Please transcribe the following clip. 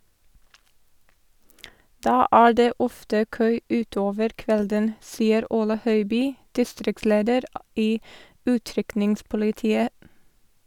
Da er det ofte kø utover kvelden, sier Ole Høiby, distriktsleder i utrykningspolitiet.